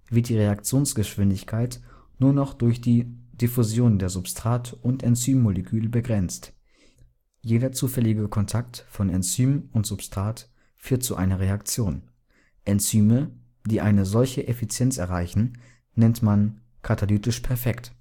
Reaktionsgeschwindigkeit nur noch durch die Diffusion der Substrat - und Enzymmoleküle begrenzt. Jeder zufällige Kontakt von Enzym und Substrat führt zu einer Reaktion. Enzyme, die eine solche Effizienz erreichen, nennt man „ katalytisch perfekt